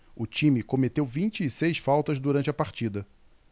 o time cometeu vinte e seis faltas durante a partida